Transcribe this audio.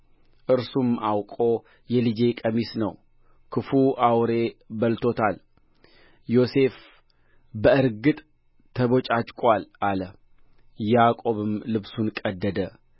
እርሱም አውቆ የልጄ ቀሚስ ነው ክፉ አውሬ በልቶታል ዮሴፍ በእርግጥ ተበጫጭቋል አለ ያዕቆብም ልብሱን ቀደደ